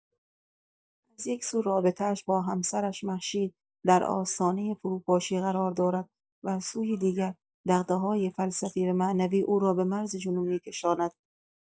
از یک‌سو رابطه‌اش با همسرش مهشید در آستانۀ فروپاشی قرار دارد و از سوی دیگر، دغدغه‌های فلسفی و معنوی او را به مرز جنون می‌کشاند.